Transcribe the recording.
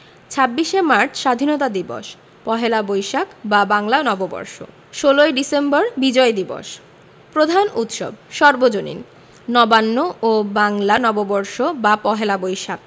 ২৬শে মার্চ স্বাধীনতা দিবস পহেলা বৈশাখ বা বাংলা নববর্ষ ১৬ই ডিসেম্বর বিজয় দিবস প্রধান উৎসবঃ সর্বজনীন নবান্ন ও বাংলা নববর্ষ বা পহেলা বৈশাখ